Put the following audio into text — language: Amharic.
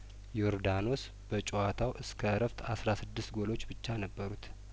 ዮርዳኖስ በጨዋታው እስከ እረፍት አስራ ስድስት ጐሎች ብቻ ነበሩት